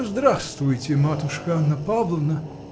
– Здравствуйте, матушка Анна Павловна!